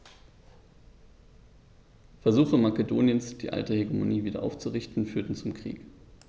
Versuche Makedoniens, die alte Hegemonie wieder aufzurichten, führten zum Krieg.